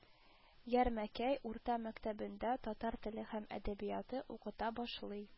Ярмәкәй урта мәктәбендә татар теле һәм әдәбияты укыта башлый